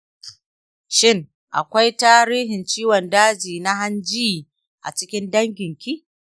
shin akwai tarihin ciwon daji na hanji a cikin danginki?